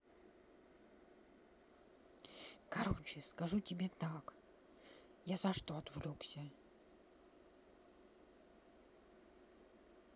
короче скажу тебе так я за что отвлекся